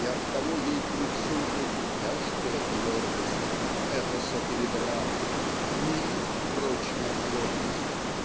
и оттого ей к лицу не "тяжкая твердость" эпоса или драмы не их прочная плотность